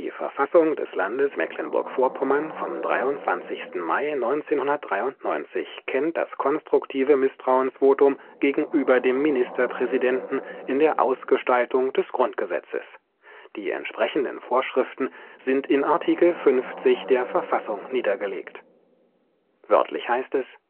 Verfassung des Landes Mecklenburg-Vorpommern vom 23. Mai 1993 kennt das konstruktive Misstrauensvotum gegenüber dem Ministerpräsidenten in der Ausgestaltung des Grundgesetzes. Die entsprechenden Vorschriften sind in Artikel 50 der Verfassung niedergelegt: Das Amt des